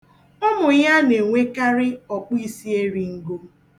Ụmụaka ya na-enwekarị ọkpụisieringo